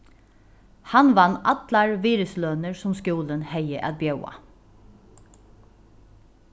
hann vann allar virðislønir sum skúlin hevði at bjóða